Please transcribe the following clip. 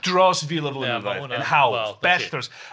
dros fil o flynyddoedd yn hawdd. Bell dros.